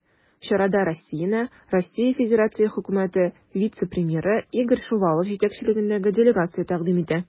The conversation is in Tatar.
Чарада Россияне РФ Хөкүмәте вице-премьеры Игорь Шувалов җитәкчелегендәге делегация тәкъдим итә.